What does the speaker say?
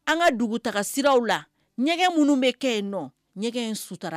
An ka dugutaa siraw la minnu bɛ kɛ yen nɔ suta